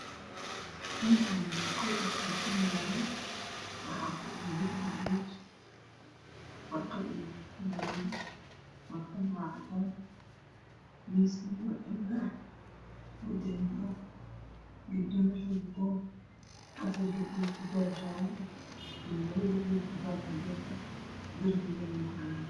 Meeshaani waa qol oo kuraasmaan yaalan waxa fadhiyo lix gabdhood warqad ayey wax ku qorayaan warqada waa cadaan miiskana waa alwaax oo dahabi ah gabdhaha waxay wataan afar gabdhood xijaab jaale ah iyo labo gabdhood xijaab cadays ah darbigana waa cagaar